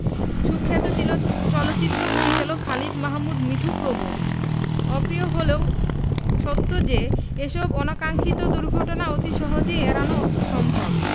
সুখ্যাত চলচ্চিত্র পরিচালক খালিদ মাহমুদ মিঠু প্রমুখ অপ্রিয় হলেও সত্ত্বেও যে এসব অনাকাকি্ষত দুর্ঘটনা অতি সহজেই এড়ানো সম্ভব